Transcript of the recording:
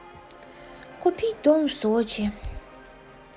купить дом в сочи